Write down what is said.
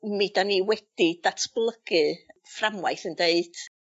Mi 'dan ni wedi datblygu fframwaith yn deud